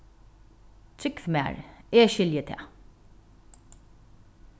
trúgv mær eg skilji tað